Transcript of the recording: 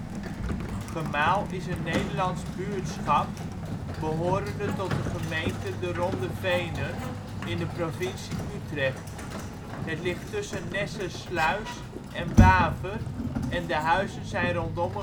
Gemaal is een Nederlands buurtschap behorende tot de gemeente De Ronde Venen, in de provincie Utrecht. Het ligt tussen Nessersluis en Waver en de huizen zijn rondom